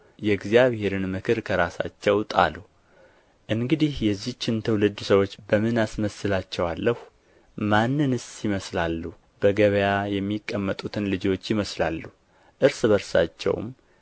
የእግዚአብሔርን ምክር ከራሳቸው ጣሉ እንግዲህ የዚችን ትውልድ ሰዎች በምን አስመስላቸዋለሁ ማንንስ ይመስላሉ በገበያ የሚቀመጡትን ልጆች ይመስላሉ እርስ በርሳቸውም